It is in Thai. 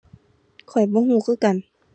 ข้อยบ่รู้คือกัน